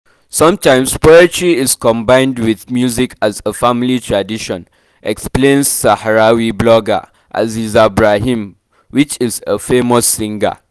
Sometimes poetry is combined with music as a family tradition, explains Sahrawi blogger, Aziza Brahim, who is a famous singer.